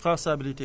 traçabilité